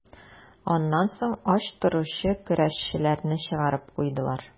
Аннан соң ач торучы көрәшчеләрне чыгарып куйдылар.